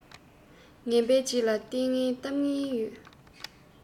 ངན པའི རྗེས ལ ལྟས ངན གཏམ ངན ཡོད